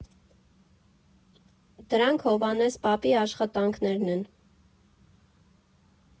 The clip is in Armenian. Դրանք Հովհաննես պապի աշխատանքներն են։